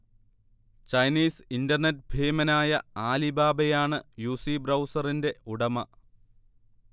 Chinese internet ഭീമനായ ആലിബാബയാണ് UC ബ്രൗസറിന്റെ ഉടമ